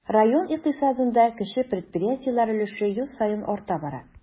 Район икътисадында кече предприятиеләр өлеше ел саен арта бара.